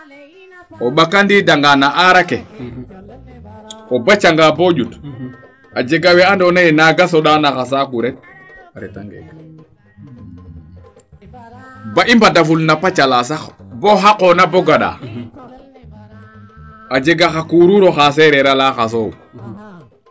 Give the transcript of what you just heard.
o ɓakaniida nga na arake o baca nga boo njut a jega waa ando naye naaga soɗa naxa saaku rek a reta ngee ba i mbada ful na paca laa sax bo xaqoona bo gandaa a jega xa kuruur axa sereer a leyaa xa soow